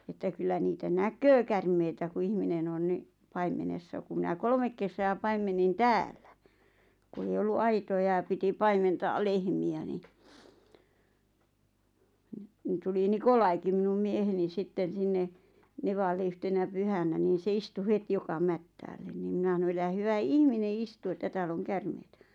että kyllä niitä näkee käärmeitä kun ihminen on niin paimenessa kun minä kolme kesää paimensin täällä kun ei ollut aitoja ja piti paimentaa lehmiä niin - niin tuli Nikolaikin minun mieheni sitten sinne nevalle yhtenä pyhänä niin se istui heti joka mättäälle niin minä sanoi älä hyvä ihminen istu että täällä on käärmeitä